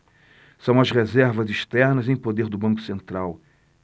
são as reservas externas em poder do banco central